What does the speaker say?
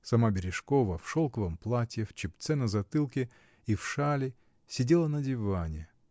Сама Бережкова, в шелковом платье, в чепце на затылке и в шали, сидела на диване.